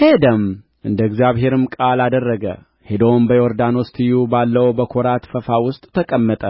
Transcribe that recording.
ሄደም እንደ እግዚአብሔር ቃልም አደረገ ሄዶም በዮርዳኖስ ትይዩ ባለው በኮራት ፈፋ ውስጥ ተቀመጠ